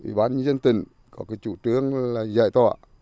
ủy ban nhân dân tỉnh có cái chủ trương là giải tỏa